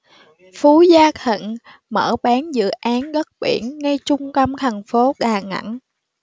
phú gia thịnh mở bán dự án đất biển ngay trung tâm thành phố đà nẵng